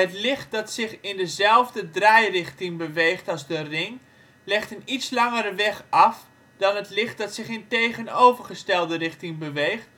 licht dat zich in dezelfde draairichting beweegt als de ring, legt een iets langere weg af dan het licht dat zich in de tegenovergestelde richting beweegt